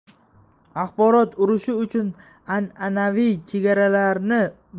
axborot urushi uchun an anaviy chegaralarni